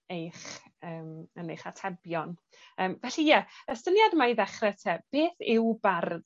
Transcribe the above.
eich yym yn eich atebion. Yym felly ie y syniad yma i ddechre 'te beth yw bardd?